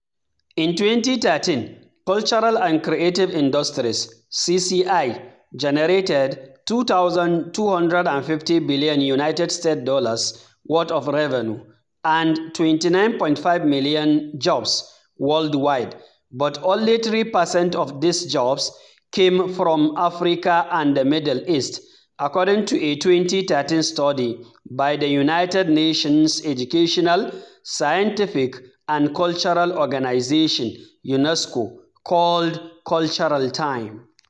In 2013, cultural and creative industries (CCI) generated $2,250 billion United States dollars worth of revenue and 29.5 million jobs worldwide [but] only 3 percent of these jobs came from Africa and the Middle East, according to a 2013 study by the United Nations Educational, Scientific and Cultural Organization (UNESCO) called “Cultural time.”